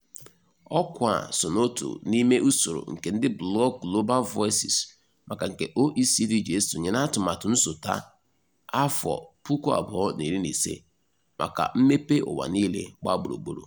Ọkwa a so n'otu n'ime usoro nke ndị blọọgụ Global Voices maka nke OECD ji esonye n'atụmatụ nsota-2015 maka mmepe ụwa niile gbaa gburugburu.